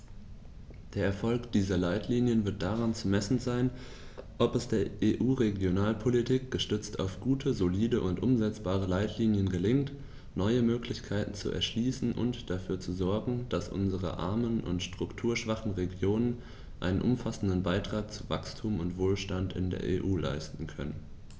Der Erfolg dieser Leitlinien wird daran zu messen sein, ob es der EU-Regionalpolitik, gestützt auf gute, solide und umsetzbare Leitlinien, gelingt, neue Möglichkeiten zu erschließen und dafür zu sorgen, dass unsere armen und strukturschwachen Regionen einen umfassenden Beitrag zu Wachstum und Wohlstand in der EU leisten können.